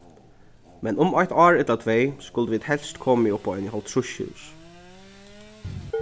men um eitt ár ella tvey skuldu vit helst komið upp á eini hálvtrýss hús